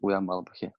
fwy amal a ballu.